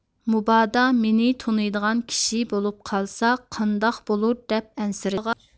مۇبادا مېنى تونۇيدىغان كىشى بولۇپ قالسا قانداق بولۇر دەپ ئەنسىرىدى